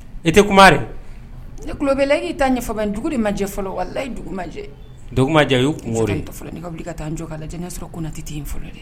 I tɛ kuma de? Ne tula b'ɛ la.E y'e ta ɲɛfɔ banni. dugu de ma jɛ fɔlɔ walayi dugu ma jɛ. Dugu majɛ o y'i kungo ye. Fobalitɔ filɛ, ne ka wuli ka taa n jɔ, k'a lajɛ n'i y'a sɔrɔ Konaté tɛ yen fɔlɔ.